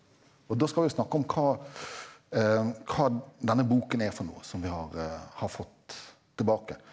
og da skal vi snakke om hva hva denne boken er for noe som vi har har fått tilbake.